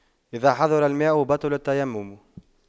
إذا حضر الماء بطل التيمم